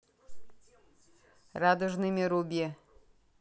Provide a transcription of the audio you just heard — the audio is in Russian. радужными руби